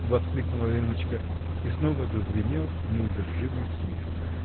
-- воскликнула Леночка, -- и снова зазвенел неудержимый смех.